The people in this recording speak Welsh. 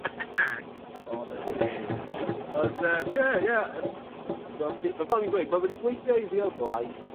Quality. Ond yym ie ie t'mod be- ma' fel fi'n gweud ma' wedi gweithio i fi o'r blaen